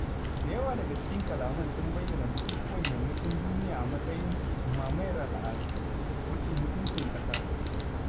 Da yawa daga cikin kalaman sun bayyana bukukuwan Yammacin duniya a matsayin "mamayar al'adu" ko "cin mutuncin ƙasa".